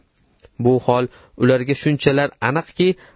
bu hol ularga shunchalar aniqki